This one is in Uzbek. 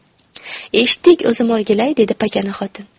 eshitdik o'zim o'rgilay dedi pakana xotin